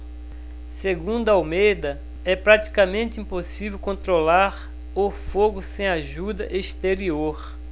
segundo almeida é praticamente impossível controlar o fogo sem ajuda exterior